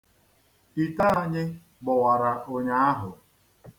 Ite anyị gbọwara ụnyaahụ.